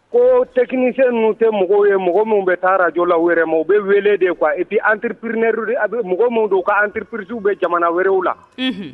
Ko techniciens ninnu tɛ mɔgɔ ye, mɔgɔ minnu bɛ taa radio la u yɛrɛ ma. U bɛ wele de quoi . Et puis entrepreneurs a bɛ mɔgɔ minnu don, u ka entreprises bɛ jamana wɛrɛw la. Unhun!